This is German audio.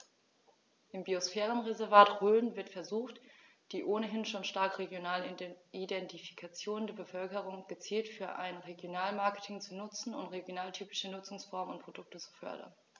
Im Biosphärenreservat Rhön wird versucht, die ohnehin schon starke regionale Identifikation der Bevölkerung gezielt für ein Regionalmarketing zu nutzen und regionaltypische Nutzungsformen und Produkte zu fördern.